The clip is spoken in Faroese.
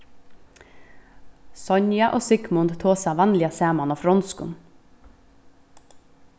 sonja og sigmund tosa vanliga saman á fronskum